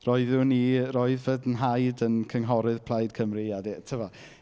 Roeddwn i... roedd fy nhaid yn cynghorydd Plaid Cymru a di- tibod.